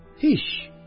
Һич